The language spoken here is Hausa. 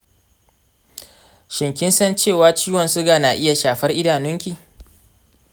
shin kin san cewa ciwon suga na iya shafar idanunki?